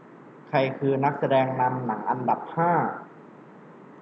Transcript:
ใครคือนักแสดงนำหนังอันดับห้า